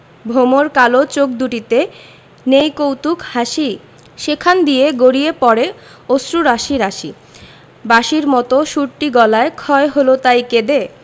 ভমর কালো চোখ দুটিতে নেই কৌতুক হাসি সেখান দিয়ে গড়িয়ে পড়ে অশ্রু রাশি রাশি বাঁশির মতো সুরটি গলায় ক্ষয় হল তাই কেঁদে